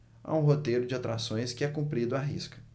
há um roteiro de atrações que é cumprido à risca